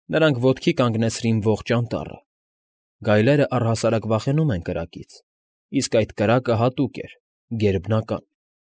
Նրանք ոտքի կանգնեցրին ողջ անտառը։ Գայլերն առհասարակ վախենում են կրակից, իսկ այդ կրակը հատուկ էր, գերբնական։